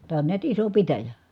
tämä on näet iso pitäjä